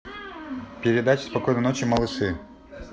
передача спокойной ночи малыши